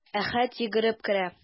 Әхәт йөгереп керә.